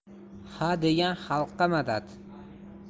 ha degan xalqqa madad